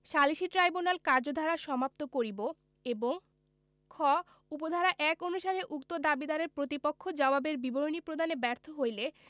সালিসী ট্রাইবুনাল কার্যধারা সমাপ্ত করিব এবং খ উপ ধারা ১ অনুসারে উক্ত দাবীদারের প্রতিপক্ষ জবাবের বিবরণী প্রদানে ব্যর্থ হইলে